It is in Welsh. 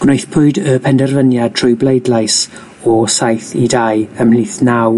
Gwnaethpwyd y penderfyniad trwy bleidlais o saith i dau ymhlith naw